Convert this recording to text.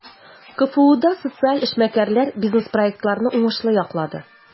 КФУда социаль эшмәкәрләр бизнес-проектларны уңышлы яклады.